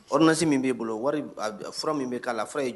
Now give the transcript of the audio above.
Orsi min bɛ' bolo wari fura min bɛ k'a la fura